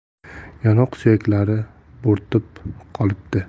yonoq suyaklari bo'rtib qolibdi